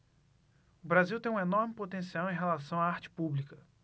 o brasil tem um enorme potencial em relação à arte pública